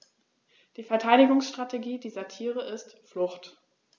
Die Verteidigungsstrategie dieser Tiere ist Flucht.